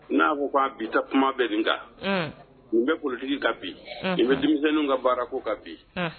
N'a ko k ko an bi kuma bɛ nin kan n bɛ kulutigi ka bi n bɛ denmisɛnnin ka baara ko ka bi